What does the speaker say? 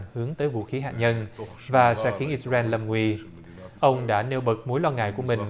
hướng tới vũ khí hạt nhân và sẽ khiến ít sa ren lâm nguy ông đã nêu bật mối lo ngại của mình